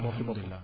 alxamdulilaa